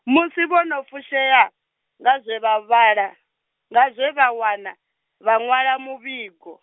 musi vho no fushea, nga zwe vha wana, nga zwe vha wana, vha ṅwala muvhigo.